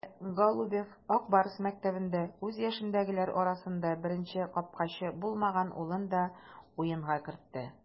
Әле Голубев "Ак Барс" мәктәбендә үз яшендәгеләр арасында беренче капкачы булмаган улын да уенга кертте.